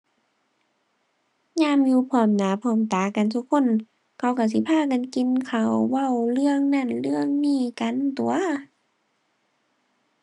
ยามอยู่พร้อมหน้าพร้อมตากันซุคน เขาก็สิพากันกินข้าว เว้าเรื่องนั้นเรื่องนี้กันตั่ว